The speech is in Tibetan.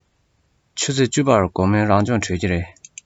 ཆུ ཚོད བཅུ པར དགོང མོའི རང སྦྱོང གྲོལ གྱི རེད